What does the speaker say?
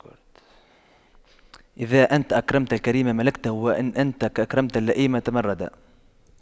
إذا أنت أكرمت الكريم ملكته وإن أنت أكرمت اللئيم تمردا